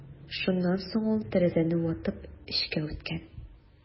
Шуннан соң ул тәрәзәне ватып эчкә үткән.